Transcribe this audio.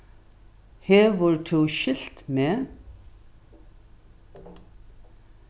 hevur tú skilt meg